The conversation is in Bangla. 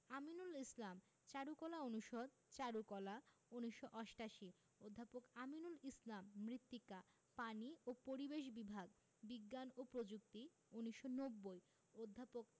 আমিনুল ইসলাম চারুকলা অনুষদ চারুকলা ১৯৮৮ অধ্যাপক আমিনুল ইসলাম মৃত্তিকা পানি ও পরিবেশ বিভাগ বিজ্ঞান ও প্রযুক্তি ১৯৯০ অধ্যাপক